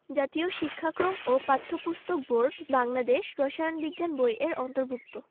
জাতীয় শিক্ষাক্রম ও পাঠ্যপুস্তক বোর্ড বাংলাদেশ রসায়ন বিজ্ঞান বই এর অন্তর্ভুক্ত